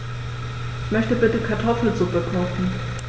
Ich möchte bitte Kartoffelsuppe kochen.